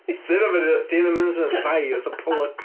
'Di hynna'm yn... 'di hynna'm yn swnio braidd fatha Pollock .